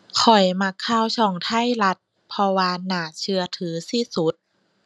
ข้อยมักข่าวช่องไทยรัฐ เพราะว่าน่าเชื่อถือที่สุด